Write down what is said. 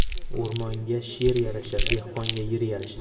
o'rmonga sher yarashar dehqonga yer yarashar